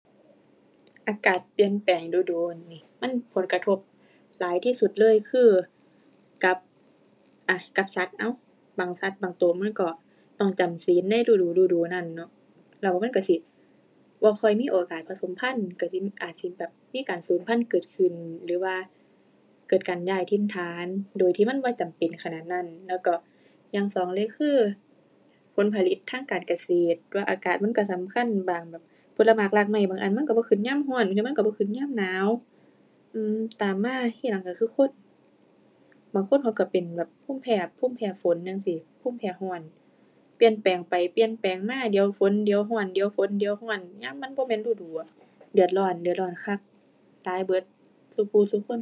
อากาศเปลี่ยนแปลงดู๋ดู๋นี่ มันผลกระทบหลายที่สุดเลยคือ กับ อ่า กับสัตว์เอ้า บางสัตว์บางตัวมันก็ต้องจำศีลในฤดูฤดูนั้นเนาะ แล้วมันตัวสิบ่ค่อยมีโอกาสผสมพันธุ์ ตัวสิอาจสิแบบมีการสูญพันธุ์เกิดขึ้นหรือว่าเกิดการย้ายถิ่นฐาน โดยที่มันบ่จำเป็นขนาดนั้น แล้วก็อย่างสองเลยคือ ผลผลิตทางการเกษตร ว่าอากาศมันตัวสำคัญบางแบบผลหมากรากไม้บางอันมันตัวบ่ขึ้นยามตัว บางอันมันตัวบ่ขึ้นยามหนาว อือ ตามมาทีหลังตัวคือคน บางคนเขาตัวเป็นแบบภูมิแพ้ ภูมิแพ้ฝนจั่งซี้ ภูมิแพ้ตัว เปลี่ยนแปลงไปเปลี่ยนแปลงมา เดี๋ยวฝนเดี๋ยวตัว เดี๋ยวฝนเดี๋ยวตัว ยามมันบ่แม่นฤดูอะ เดือดร้อนเดือดร้อนคักตายเบิดซุผู้ซุคน